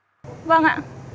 vâng